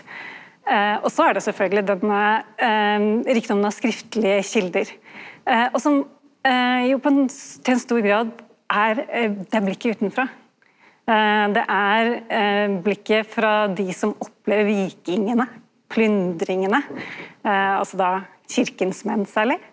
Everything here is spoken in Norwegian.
og så er det sjølvsagt denne rikdommen av skriftlege kjelder, og som jo på ein til ein stor grad er det er blikket utanfrå det er blikket frå dei som opplever vikingane plyndringane altså då kyrkjas menn særleg.